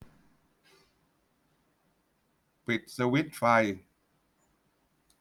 ปิดสวิตช์ไฟ